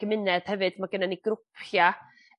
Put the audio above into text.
gymuned hefyd ma' gennon ni grwpia'